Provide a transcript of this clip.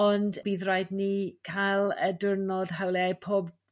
ond bydd raid ni ca'l y diwrnod hawliau pob